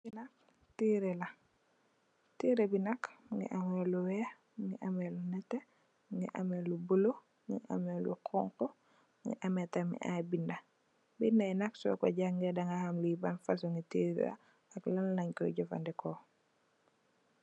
Li nak teereh la, teereh bi nak mungi ameh lu weeh, mungi ameh lu nete, mungi ameh lu bulo, mungi ameh lu honku. Mu ngi ameh tamit ay binda. Binda yi nak su ko jàngay daga ham li ban fasung ngi teereh la ak nenen leen koy jafadeko.